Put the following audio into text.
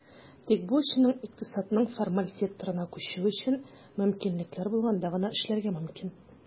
Тик бу эшченең икътисадның формаль секторына күчүе өчен мөмкинлекләр булганда гына эшләргә мөмкин.